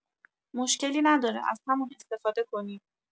مشکلی نداره از همون استفاده کنید.